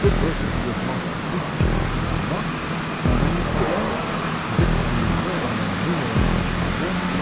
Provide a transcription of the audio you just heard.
тот бросит ее в массу тысяч других бумаг – но она не затеряется заклейменная нумером и числом